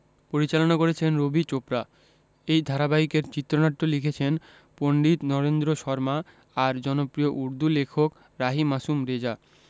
পরিচালনা করেছেন রবি চোপড়া এই ধারাবাহিকের চিত্রনাট্য লিখেছেন পণ্ডিত নরেন্দ্র শর্মা আর জনপ্রিয় উর্দু লেখক রাহি মাসুম রেজা